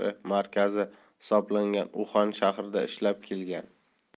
markazi hisoblangan uxan shahrida ishlab kelgan